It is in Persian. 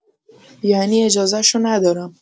یعنی اجازه‌ش رو ندارم.